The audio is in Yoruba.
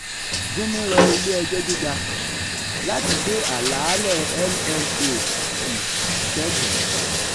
Gyumi rọ Ilé-ẹjọ́ Gíga láti gbé àlàálẹ̀ LMA tì sẹ́gbẹ̀ẹ́.